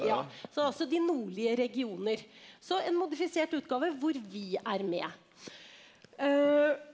ja så altså de nordlige regioner så en modifisert utgave hvor vi er med .